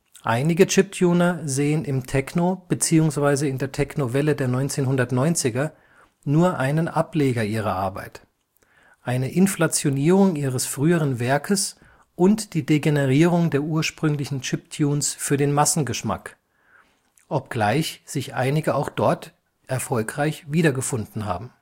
Einige Chiptuner sehen im Techno bzw. in der Techno-Welle der 1990er nur einen Ableger ihrer Arbeit, eine Inflationierung ihres früheren Werks und die Degenerierung der ursprünglichen Chiptunes für den Massengeschmack, obgleich sich einige auch erfolgreich dort wiedergefunden haben